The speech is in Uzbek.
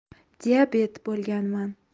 diabet bo'lganman